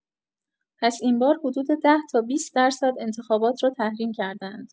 پس این‌بار حدود ده‌تا بیست درصد، انتخابات را تحریم کرده‌اند.